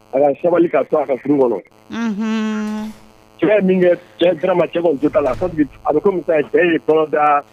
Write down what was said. A ka sabalibali ka to a ka furu kɔnɔ, unhun, cɛ ye min kɛ, cɛ vriment cɛ kɔni jo t'a la , sabu a bɛ komi sisan cɛ ye kɔnɔ da